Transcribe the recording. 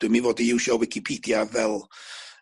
dwi'm i fod i iwsio wicipedia fel